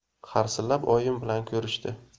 harsillab oyim bilan ko'rishdi